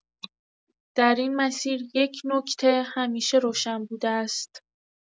در این مسیر یک نکته همیشه روشن بوده است.